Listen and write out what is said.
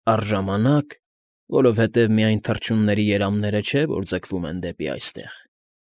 Առժամանակ, որովհետև միայն թռչունների երամները չէ, որ ձգվում են դեպի այստեղ։